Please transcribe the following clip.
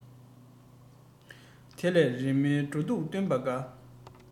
དེ ལས རི མོའི འགྲོ ལུགས བསྟུན པ དགའ